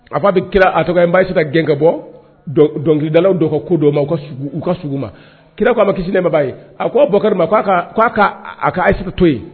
A'a bɛ kira a tɔgɔ base ka gɛnkɛ bɔ dɔnkilikidalaw dɔ ka ko dɔw ma ka u ka ma kira k koa ma kisi ne ma' ye a k' bɔkari ma a ka ayise ka to yen